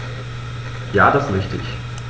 Ja, das möchte ich.